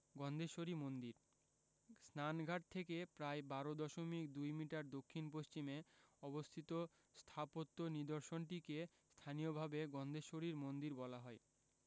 গন্ধেশ্বরী মন্দিরঃ স্নানঘাট থেকে প্রায় ১২ দশমিক ২ মিটার দক্ষিণ পশ্চিমে অবস্থিত স্থাপত্য নিদর্শনটিকে স্থানীয়ভাবে গন্ধেশ্বরীর মন্দির বলা হয়